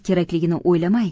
kerakligini o'ylamay